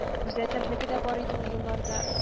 Күзәтерлеге дә бар иде ул елларда